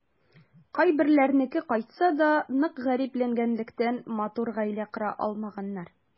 Кайберләренеке кайтса да, нык гарипләнгәнлектән, матур гаилә кора алмаганнар.